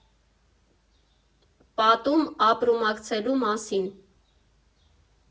Պատում ապրումակցելու մասին։